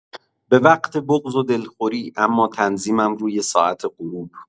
به وقت بغض و دلخوری اما تنظیمم روی ساعت غروب!